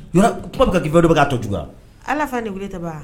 Han! Kuma bɛ ka kɛ i fɛ o de bɛ k'a tɔ juguya, allah